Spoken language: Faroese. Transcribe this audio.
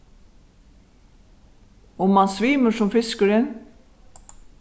um mann svimur sum fiskurin